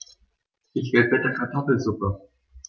Ich will bitte Kartoffelsuppe.